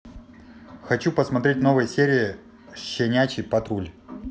хочу посмотреть новые серии щенячий патруль